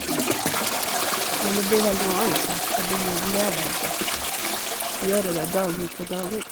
Men det blir vel noe annet når hun skal begynne å leve av det gjøre det dag ut og dag inn.